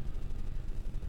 I